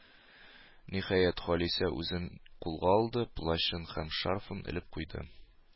Ниһаять, Халисә үзен кулга алды, плащын һәм шарфын элеп куйды.